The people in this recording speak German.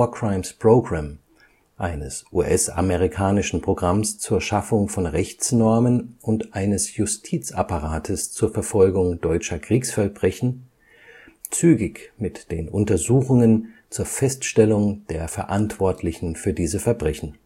Crimes Program, eines US-amerikanischen Programms zur Schaffung von Rechtsnormen und eines Justizapparates zur Verfolgung deutscher Kriegsverbrechen, zügig mit den Untersuchungen zur Feststellung der Verantwortlichen für diese Verbrechen